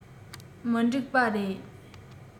མི འགྲིག པ རེད